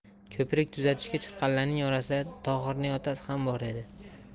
ko'prik tuzatishga chiqqanlarning orasida tohirning otasi ham bor edi